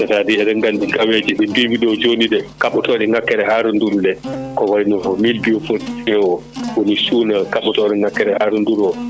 tadi eɗen gandi gaweje ɗe mbimi ɗo joni kaɓatoɗe ngakkere haaraduru nde ko wayno mil biofortifié o woni suuna kaɓatoɗo ngakkere haaraduru o